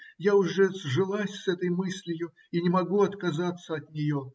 Я уже сжилась с этой мыслью и не могу отказаться от нее.